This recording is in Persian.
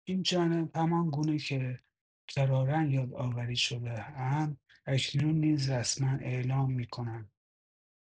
اینجانب همان‌گونه که کرارا یادآور شده‌ام اکنون نیز رسما اعلام می‌کنم